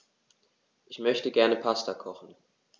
Ich möchte gerne Pasta kochen.